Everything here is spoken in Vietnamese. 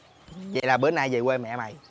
vậy là bữa nay về quê mẹ mày